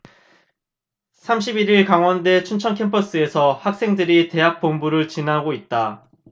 삼십 일 일 강원대 춘천캠퍼스에서 학생들이 대학본부를 지나고 있다